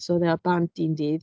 So oedd e bant un dydd.